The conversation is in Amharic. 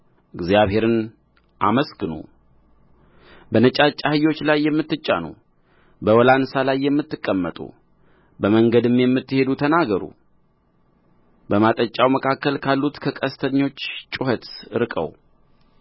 እግዚአብሔርን አመስግኑ በነጫጭ አህዮች ላይ የምትጫኑ በወላንሳ ላይ የምትቀመጡ በመንገድም የምትሄዱ ተናገሩ በማጠጫው መካከል ካሉት ከቀስተኞች ጩኸት ርቀው